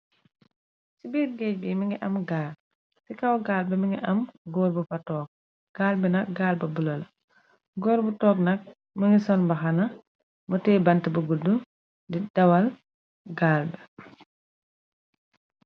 ci biir géej bi mi ngi am gaal ci kaw gaal bi mi nga am góor bu fatoog gaal bi nag gaalba bulala góor bu toog nag mi ngi solmbaxana mu tëy bant bu gudd di dawal gaal bi